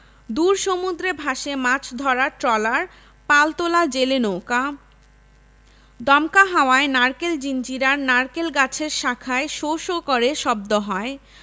দূর সমুদ্রে ভাসে মাছ ধরার ট্রলার পালতোলা জেলে নৌকা দমকা হাওয়ায় নারকেল জিঞ্জিরার নারকেল গাছের শাখায় শোঁ শোঁ করে শব্দ হয়